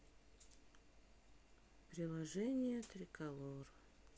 приложение триколор